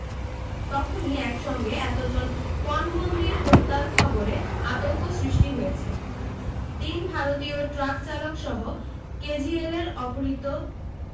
তখনই এক সঙ্গে এত জন পণবন্দির হত্যার খবরে আতঙ্ক সৃষ্টি হয়েছে তিন ভারতীয় ট্রাক চালক সহ কেজিএলের অপহৃত